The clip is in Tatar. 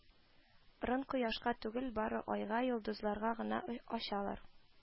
Рын кояшка түгел, бары айга, йолдызларга гына ачалар